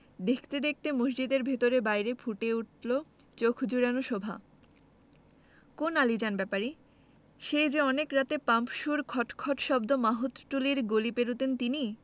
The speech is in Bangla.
দেখতে দেখতে মসজিদের ভেতরে বাইরে ফুটে উঠলো চোখ জুড়োনো শোভা কোন আলীজান ব্যাপারী সেই যে অনেক রাতে পাম্পসুর খট খট শব্দ মাহুতটুলির গলি পেরুতেন তিনি